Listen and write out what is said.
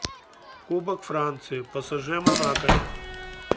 кубок франции псж монако